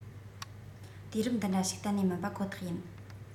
དུས རབས འདི འདྲ ཞིག གཏན ནས མིན པ ཁོ ཐག ཡིན